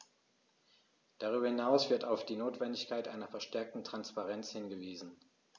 Darüber hinaus wird auf die Notwendigkeit einer verstärkten Transparenz hingewiesen.